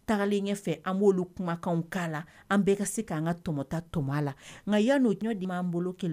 Kuma an se kan ka tɔmɔta toma la nka ya'j di' an bolo kelen